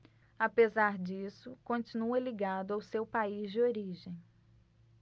apesar disso continua ligado ao seu país de origem